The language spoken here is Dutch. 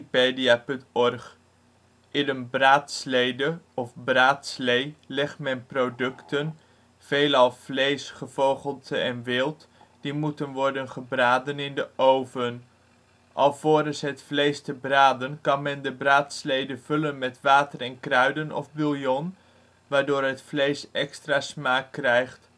een braadslede of braadslee legt men producten - veelal vlees, gevogelte en wild - die moeten worden gebraden in de oven. Alvorens het vlees te braden kan men de braadslede vullen met water en kruiden of bouillon, waardoor het vlees extra smaak krijgt